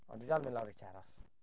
Ond dwi'n dal yn mynd lawr i Teras